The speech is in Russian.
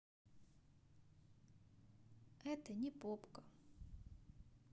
это не попка